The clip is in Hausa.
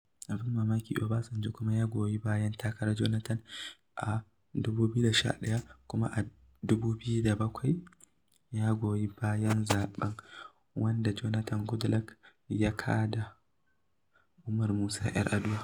Abin mamaki, Obasanjo kuma ya goyi bayan takarar Jonathan a 2011. Kuma a 2007, ya goyi bayan zaɓen wanda Jonathan Goodluck ya gada, Umaru Musa 'Yar'aduwa.